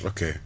ok